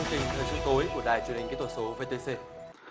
tối của đài truyền hình kỹ thuật số vê tê xê